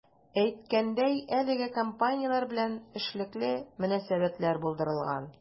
Әйткәндәй, әлеге компанияләр белән эшлекле мөнәсәбәтләр булдырылган.